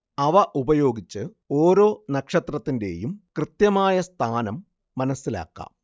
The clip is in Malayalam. അവയുപയോഗിച്ച് ഒരോ നക്ഷത്രത്തിന്റെയും കൃത്യമായ സ്ഥാനം മനസ്സിലാക്കാം